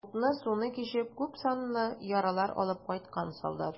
Утны-суны кичеп, күпсанлы яралар алып кайткан солдат.